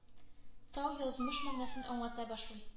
Тау язмыш мәгънәсен аңлата башлый